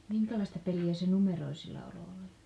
minkälaista peliä se numeroisilla olo oli